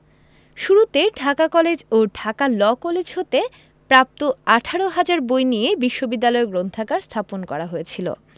শুরুতে ঢাকা কলেজ ও Dhaka law college হতে প্রাপ্ত ১৮ হাজার বই নিয়ে বিশ্ববিদ্যালয় গ্রন্থাগার স্থাপন করা হয়েছিল